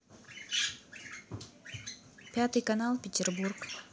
пятый канал петербург